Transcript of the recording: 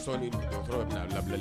Sɔɔni' labila